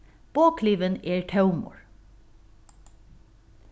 boðklivin er tómur